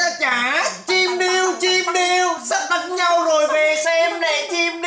ta trả chim điêu chim điêu sắp đánh nhau rồi về xem nè chim